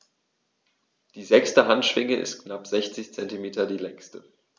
Die sechste Handschwinge ist mit knapp 60 cm die längste.